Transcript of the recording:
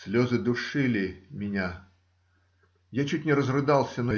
Слезы душили меня, я чуть не разрыдался.